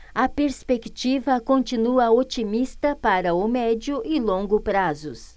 a perspectiva continua otimista para o médio e longo prazos